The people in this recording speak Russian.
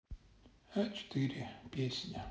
а четыре песня